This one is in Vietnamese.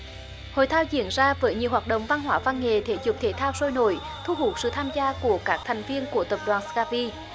hội thao diễn ra với nhiều hoạt động văn hóa văn nghệ thể dục thể thao sôi nổi thu hút sự tham gia của các thành viên của tập đoàn sờ ca vi